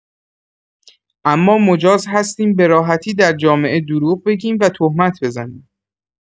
اما مجاز هستیم به راحتی در جامعه دروغ بگیم و تهمت بزنیم